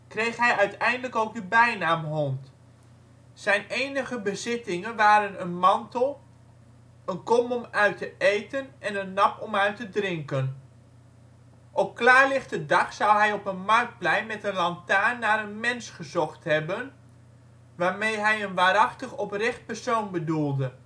kreeg hij uiteindelijk ook de bijnaam ' hond '. Zijn enige bezittingen waren een mantel, een kom om uit te eten en een nap om uit te drinken. Op klaarlichte dag zou hij op een marktplein met een lantaarn naar een " mens " gezocht hebben (waarmee hij een waarachtig oprecht persoon bedoelde